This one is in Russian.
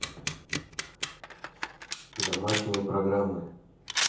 домашние программы